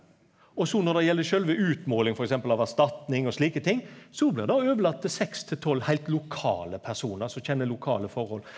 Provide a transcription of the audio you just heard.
og så når det gjeld sjølve utmålinga f.eks. av erstatning og slike ting så blir det overlate til seks til tolv heilt lokale personar som kjenner lokale forhold.